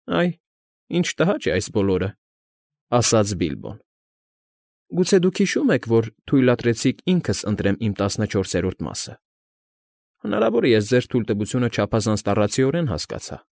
Ա՛յ֊ա՛յ֊այ՛, ի՜նչ տհաճ է այս բոլորը,֊ ասաց Բիլբոն։֊ Գուցե դուք հիշո՞ւմ եք, որ թույլատրեցիք ինքս ընտրեմ իմ տասնչորսերորդ մասը… Հնարավոր է, ես ձեր թույլտվությունը չափազանց տառացիորեն հասկացա։